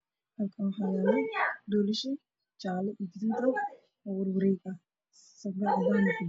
Halkaan waxaa yaalo doolsho gaduud iyo jaale ah oo warwareeg ah oo sabareys cadaan kujiro.